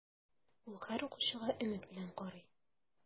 Ул һәр укучыга өмет белән карый.